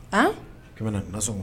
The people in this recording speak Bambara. A kɛmɛ na nasɔn